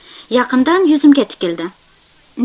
yaqindan yuzimga tikildi